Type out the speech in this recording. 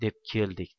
deb keldik